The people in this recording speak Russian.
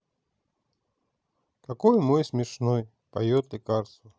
какой мой смешной пьет лекарство